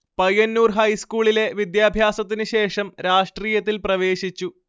പയ്യന്നൂർ ഹൈസ്കൂളിലെ വിദ്യാഭ്യാസത്തിന് ശേഷം രാഷ്ട്രീയത്തിൽ പ്രവേശിച്ചു